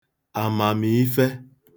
àmàmìife